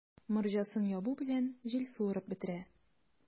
Морҗасын ябу белән, җил суырып бетерә.